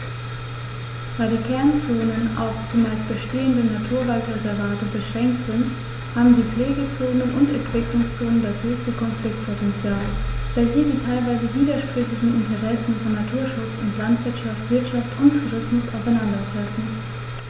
Da die Kernzonen auf – zumeist bestehende – Naturwaldreservate beschränkt sind, haben die Pflegezonen und Entwicklungszonen das höchste Konfliktpotential, da hier die teilweise widersprüchlichen Interessen von Naturschutz und Landwirtschaft, Wirtschaft und Tourismus aufeinandertreffen.